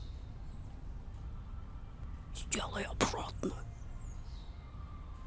сделай обратно